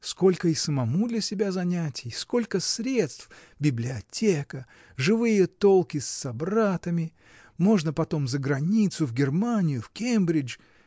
Сколько и самому для себя занятий, сколько средств: библиотека, живые толки с собратами, можно потом за границу, в Германию, в Кембридж.